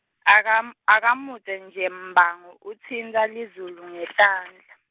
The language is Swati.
akam-, akamudze nje Mbango, utsintsa lizulu ngetandla.